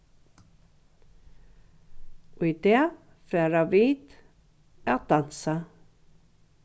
í dag fara vit at dansa